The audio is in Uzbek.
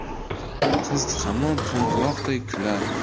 qiz hamon qo'ng'iroqdek kular